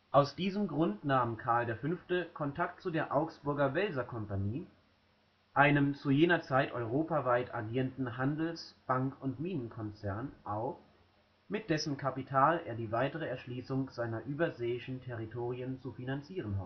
Aus diesem Grund nahm Karl V. Kontakt zu der Augsburger Welser-Kompanie – einem zu jener Zeit europaweit agierenden Handels -, Bank - und Minenkonzern – auf, mit dessen Kapital er die weitere Erschließung seiner überseeischen Territorien zu finanzieren